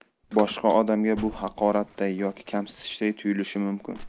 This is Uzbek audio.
boshqa odamga bu haqoratday yoki kamsitishday tuyulishi mumkin